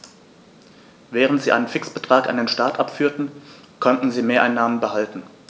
Während sie einen Fixbetrag an den Staat abführten, konnten sie Mehreinnahmen behalten.